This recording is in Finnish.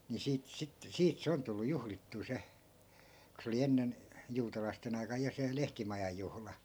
niin siitä - siitä se on tullut juhlittua se kun se oli ennen juutalaisten aikana ja se lehtimajan juhla